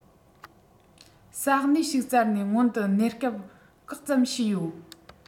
ས གནས ཞིག བཙལ ནས སྔོན དུ གནས སྐབས བཀག ཙམ བྱས དགོས